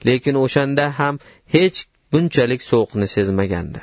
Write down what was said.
lekin o'shanda hech ham bunchalik sovuqni sezmagandi